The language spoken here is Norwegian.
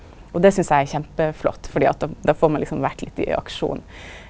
og det synest eg er kjempeflott fordi at det då får ein liksom vore litt i aksjon.